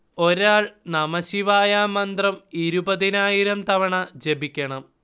ഒരാൾ നമഃശിവായ മന്ത്രം ഇരുപതിനായിരം തവണ ജപിക്കണം